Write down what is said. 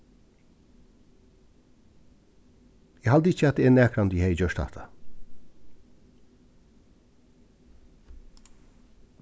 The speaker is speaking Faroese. eg haldi ikki at eg nakrantíð hevði gjørt hatta